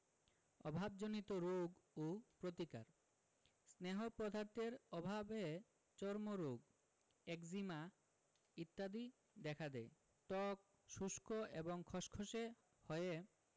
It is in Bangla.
অভাবজনিত রোগ ও প্রতিকার স্নেহ পদার্থের অভাবে চর্মরোগ একজিমা ইত্যাদি দেখা দেয় ত্বক শুষ্ক এবং খসখসে হয়ে